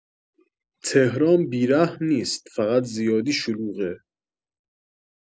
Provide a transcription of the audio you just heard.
تهران بی‌رحم نیست، فقط زیادی شلوغه.